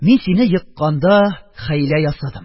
Мин сине екканда хәйлә ясадым